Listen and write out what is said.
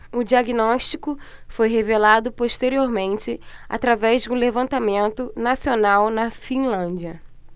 o diagnóstico foi revelado posteriormente através de um levantamento nacional na finlândia